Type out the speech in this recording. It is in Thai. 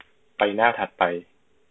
ไปหน้าถัดไป